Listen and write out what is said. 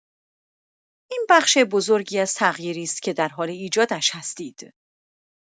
این بخش بزرگی از تغییری است که در حال ایجادش هستید.